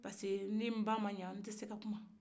parce que ni n ba ma ɲɛ n tɛ se ka kuma